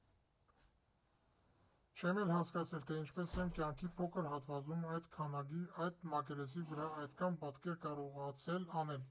Չեմ էլ հասկացել, թե ինչպես եմ կյանքի փոքր հատվածում այդ քանակի, այդ մակերեսի վրա, այդքան պատկեր կարողացել անել։